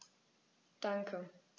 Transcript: Danke.